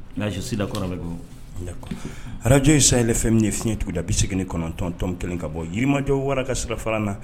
Là je suis d'accord avec vous, d'accord , radio sahel fm fiɲɛ tuguda 89.1 ka bɔ Yirimajɔ wara ka sirafara na